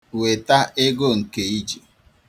Weta ego nke i ji.